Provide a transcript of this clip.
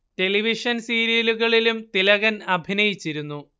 television സീരിയലുകളിലും തിലകൻ അഭിനയിച്ചിരുന്നു